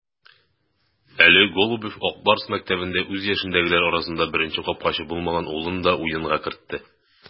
Әле Голубев "Ак Барс" мәктәбендә үз яшендәгеләр арасында беренче капкачы булмаган улын да уенга кертте.